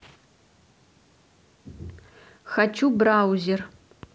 хочу браузер